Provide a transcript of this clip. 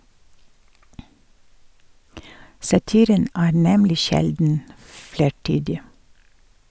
Satiren er nemlig sjelden flertydig.